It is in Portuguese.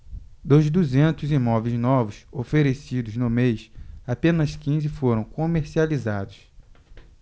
dos duzentos imóveis novos oferecidos no mês apenas quinze foram comercializados